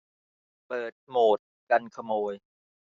เปิดโหมดกันขโมย